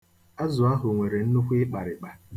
Azụ ahụ nwere nnukwu ịkpàrị̀kpà.